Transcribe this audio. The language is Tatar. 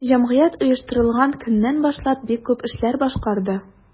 Җәмгыять оештырылган көннән башлап бик күп эшләр башкарды.